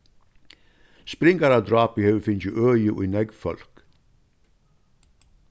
springaradrápið hevur fingið øði í nógv fólk